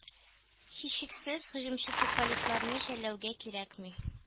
Һичшиксез һөҗүмче футболистларны жәллэүгә кирәкми.